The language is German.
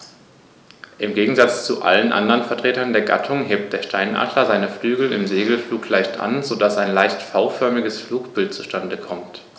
Im Gegensatz zu allen anderen Vertretern der Gattung hebt der Steinadler seine Flügel im Segelflug leicht an, so dass ein leicht V-förmiges Flugbild zustande kommt.